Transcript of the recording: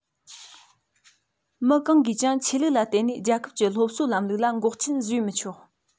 མི གང གིས ཀྱང ཆོས ལུགས ལ བརྟེན ནས རྒྱལ ཁབ ཀྱི སློབ གསོའི ལམ ལུགས ལ འགོག རྐྱེན བཟོས མི ཆོག